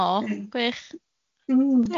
O, gwych.